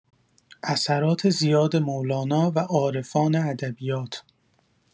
اثرات زیاد مولانا و عارفان ادبیات!